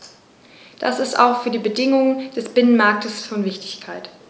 Das ist auch für die Bedingungen des Binnenmarktes von Wichtigkeit.